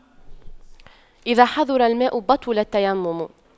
إذا حضر الماء بطل التيمم